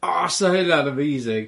O sa hynna'n amazing.